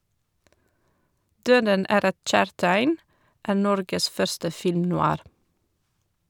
"Døden er et kjærtegn" er Norges første film-noir.